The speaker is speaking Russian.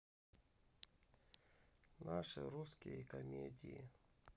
наши русские комедии